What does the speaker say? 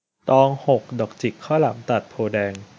ตองหกดอกจิกข้าวหลามตัดโพธิ์แดง